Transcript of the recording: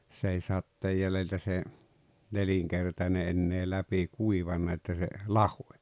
se ei sateen jäljiltä se nelinkertainen enää läpi kuivanut että se lahosi